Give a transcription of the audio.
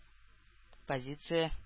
Позиция